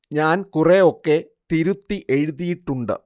ഞാൻ കുറെ ഒക്കെ തിരുത്തി എഴുതിയിട്ടുണ്ട്